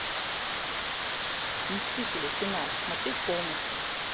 мстители финал смотреть полностью